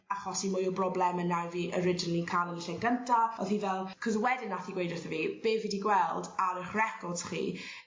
achosi mwy o brobleme na' fi originally ca'l yn y lle gynta o'dd hi fel 'c'os wedyn nath 'i gweud wrtho fi be' fi 'di gweld ar 'ych records chi